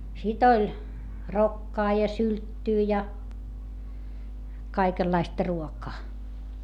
sitten oli rokkaa ja sylttyä ja kaikenlaista ruokaa